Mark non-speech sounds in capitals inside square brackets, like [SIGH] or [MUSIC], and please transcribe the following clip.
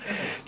[BREATH] [HESITATION] [HESITATION]